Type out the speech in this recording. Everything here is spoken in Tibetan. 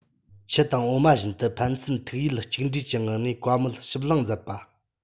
ཆུ དང འོ མ བཞིན དུ ཕན ཚུན ཐུགས ཡིད གཅིག འདྲེས ཀྱི ངང ནས བཀའ མོལ ཞིབ ལྷིང མཛད པ